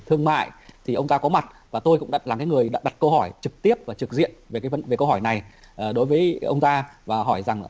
thương mại thì ông ta có mặt và tôi cũng đặt là người đã đặt câu hỏi trực tiếp và trực diện về cái vấn về câu hỏi này đối với ông ta và hỏi rằng